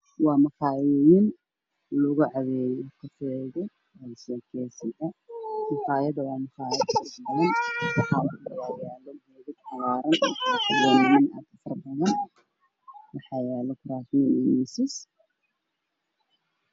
Waa maqaayad lagu caweeyo waxaa fadhiya dad badan kuraas iyo miisasku ay ku fadhiyaan midabkooda waa madow geed cagaaran ayaa ka baxaayo boor ayaa ka taagan